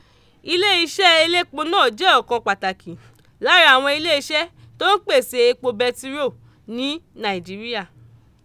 Ilé iṣẹ́ elépo náà jẹ́ ọ̀kan pàtàkì lára àwọn ilé iṣẹ́ tó ń pèsè epo bẹtiró ní Nàìjíríà.